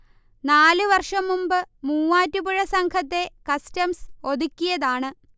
നാലു വർഷം മുമ്പ് മൂവാറ്റുപുഴ സംഘത്തെ കസ്റ്റംസ് ഒതുക്കിയതാണ്